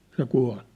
se kuoli